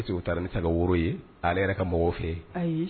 A taara ni saga woro ye a yɛrɛ ka mɔgɔw fɛ